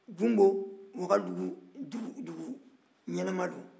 gumbo wagadugu dugu ɲɛnama don